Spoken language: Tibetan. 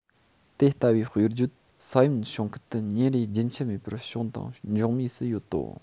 དེ ལྟ བུའི དཔེར བརྗོད ས ཡོམ བྱུང ཁུལ དུ ཉིན རེར རྒྱུན ཆད མེད པར བྱུང དང འབྱུང མུས སུ ཡོད དོ